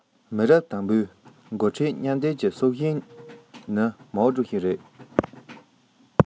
མི རབས དང པོའི འགོ ཁྲིད མཉམ སྡེབ ཀྱི སྲོག ཤིང ནི མའོ ཀྲུའུ ཞི རེད